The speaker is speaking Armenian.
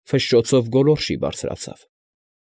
Ֆշշոցով գոլորշի բարձրացավ։